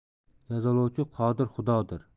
jazolovchi qodir xudodir